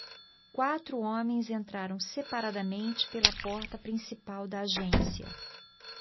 quatro homens entraram separadamente pela porta principal da agência